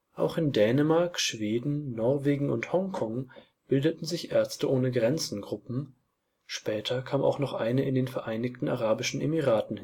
Auch in Dänemark, Schweden, Norwegen und Hongkong bildeten sich MSF-Gruppen, später kam auch noch eine in den Vereinigten Arabischen Emiraten